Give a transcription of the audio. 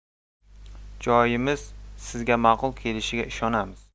joyimiz sizga ma'qul kelishiga ishonamiz